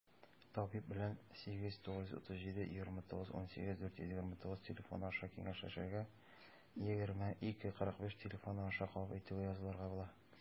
Табиб белән 89372918429 телефоны аша киңәшләшергә, 20-2-45 телефоны аша кабул итүгә язылырга була.